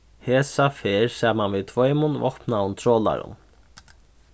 hesa ferð saman við tveimum vápnaðum trolarum